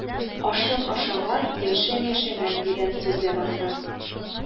«ашын ашаган, яшен яшәгән» дигән сүз ләбаса